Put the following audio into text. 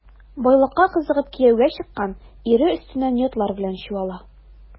Байлыкка кызыгып кияүгә чыккан, ире өстеннән ятлар белән чуала.